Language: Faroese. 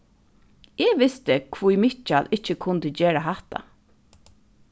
eg visti hví mikkjal ikki kundi gera hatta